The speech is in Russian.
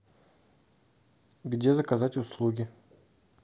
где заказать услуги